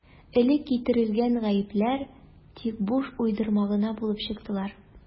Элек китерелгән «гаепләр» тик буш уйдырма гына булып чыктылар.